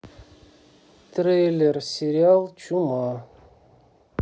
трейлер сериал чума